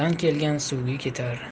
yomg'irdan kelgan suvga ketar